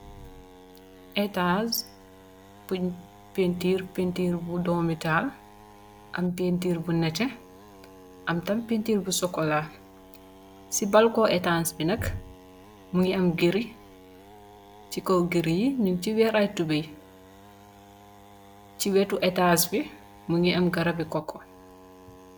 Etas bung painturr painturr bu domital am painturr bu neteh am tam painturr bu chocola si baal ko etas bi nak mogi am gerei si kaw geri nyu si werr ay tubai si weti etass bi mogi am garabi coco.